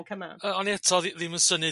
Oni eto ddi- ddim yn synnu